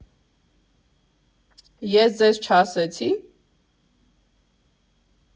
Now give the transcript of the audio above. Ես ձեզ չասեցի՞…